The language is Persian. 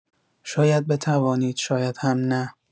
شاید بتوانید، شاید هم نه.